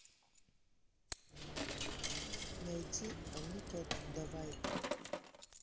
найди а ну ка давай ка